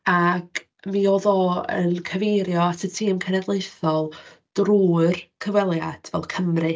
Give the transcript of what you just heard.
Ac mi oedd o yn cyfeirio at y tîm cenedlaethol drwy'r cyfweliad fel "Cymru".